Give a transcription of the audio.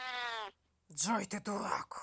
джой ты дурак